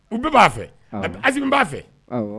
U bɛ b'a fɛ, awɔ, a bɛ Asimi b'a fɛ, awɔ